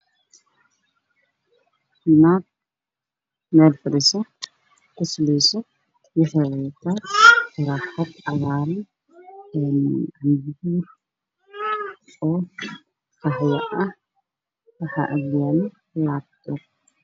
Naag meeshan fadhido waxaa ka dambeeya laba nin waxay wadaan shaati buluug ah shaati cadaan ah lacagtu xor yaalla top